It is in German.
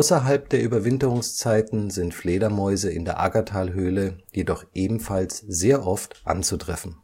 Außerhalb der Überwinterungszeiten sind Fledermäuse in der Aggertalhöhle jedoch ebenfalls sehr oft anzutreffen